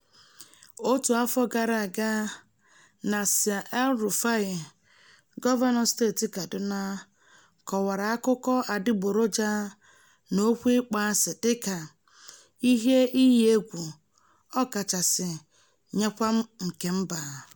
Otu afọ gara aga, Nasir El-Rufai, gọvanọ steeti Kadụna, kọwara akụkọ adịgboroja na okwu ịkpọasị dịka "ihe iyi egwu kachasị" nye nchekwa kemba.